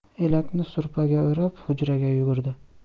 elakni supraga o'rab hujraga yugurdi